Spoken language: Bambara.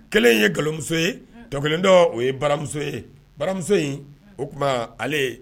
Kelen in ye nkalonmuso ye tɔ kelen dɔ o ye baramuso ye baramuso in o tuma ale ye